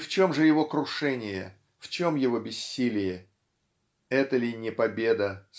В чем же его крушение, в чем его бессилие? Это ли не победа